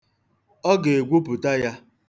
Ọ ga-egwupụta ya.